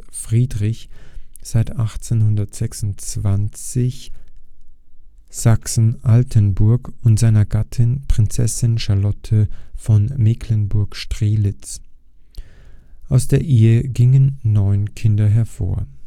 Friedrich (seit 1826 Sachsen-Altenburg) und seiner Gattin Prinzessin Charlotte von Mecklenburg-Strelitz. Aus der Ehe gingen neun Kinder hervor